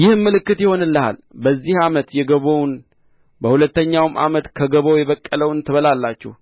ይህም ምልክት ይሆንሃል በዚህ ዓመት የገቦውን በሁለተኛውም ዓመት ከገቦው የበቀለውን ትበላላችሁ